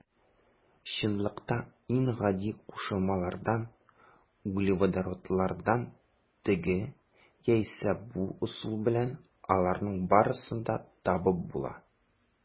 Чынлыкта иң гади кушылмалардан - углеводородлардан теге яисә бу ысул белән аларның барысын да табып була.